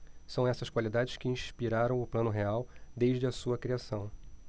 são essas qualidades que inspiraram o plano real desde a sua criação